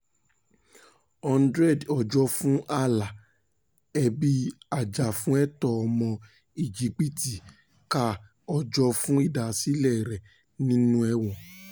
100 ọjọ́ fún Alaa: Ẹbí ajàfúnẹ̀tọ́ ọmọ Íjípìtì ń ka ọjọ́ fún ìdásílẹ̀ẹ rẹ̀ nínú ẹ̀wọ̀n